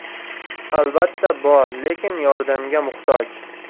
albatta bor lekin yordamga muhtoj